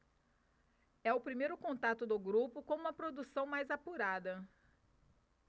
é o primeiro contato do grupo com uma produção mais apurada